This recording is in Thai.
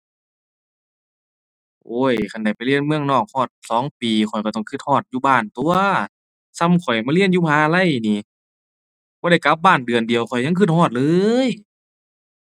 โอ้ย คันได้ไปเรียนเมืองนอกฮอดสองปีข้อยก็ต้องก็ฮอดอยู่บ้านตั่ว ส่ำข้อยมาเรียนอยู่มหาลัยนี่ บ่ได้กลับบ้านเดือนเดียวข้อยยังก็ฮอดเลย